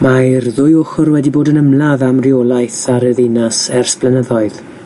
Mae'r ddwy ochr wedi bod yn ymladd am reolaeth ar y ddinas ers blynyddoedd,